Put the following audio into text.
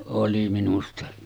oli minusta